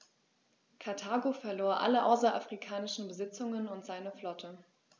Karthago verlor alle außerafrikanischen Besitzungen und seine Flotte.